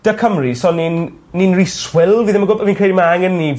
'da Cymru so ni'n ni'n ry swil fi ddim yn gw- fi'n cre'u ma' angen ni